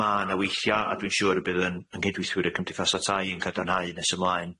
Ma' na weithia' a dwi'n siŵr y bydd yn ynghydwithwyr yn cymdeithasau tai yn cadarnhau nes ymlaen.